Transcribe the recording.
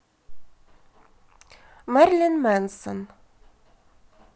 мерлин менсон